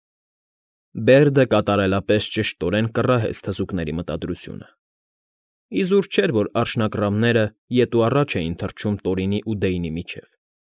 Բերդը կատարելապես ճշտորեն կռահեց թզուկների մտադրությունը (իզուր չէր, որ արջնագռավները ետ ու առաջ իէն թռչում Տորինի ու Դեյնի միջև)։